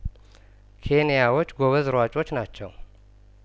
ኬንያዎች ጐበዝ ሯጮች ናቸው